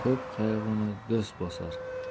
ko'p qayg'uni do'st bosar